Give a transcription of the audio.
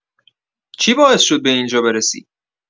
چی باعث شد به اینجا برسی؟